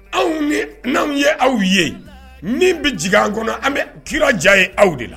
Anw ni n' anw ye aw ye min bɛ jiginig an kɔnɔ an bɛ kira diya ye aw de la